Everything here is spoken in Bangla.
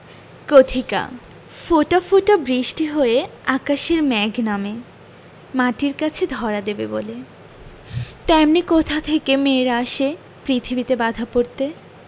কথিকা ফোঁটা ফোঁটা বৃষ্টি হয়ে আকাশের মেঘ নামে মাটির কাছে ধরা দেবে বলে তেমনি কোথা থেকে মেয়েরা আসে পৃথিবীতে বাঁধা পড়তে